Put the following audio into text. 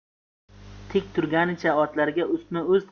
tik turganicha otlarga ustma ust